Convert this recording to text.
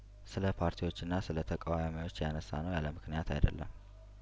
ስለፓርቲዎችና ስለተቃዋሚዎች ያነሳ ነው ያለምክንያት አይደለም